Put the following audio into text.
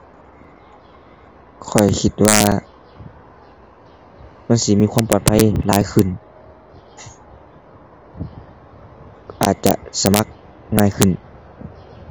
ข้อยคิดว่ามันสิมีความปลอดภัยหลายขึ้น อาจจะสมัครง่ายขึ้น